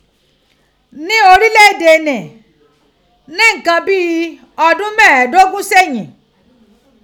Ní orílẹ̀ èdè ni, ní nǹkan bí ọdún mẹ́ẹ̀ẹ́dógún seyìn.